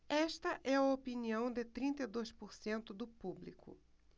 esta é a opinião de trinta e dois por cento do público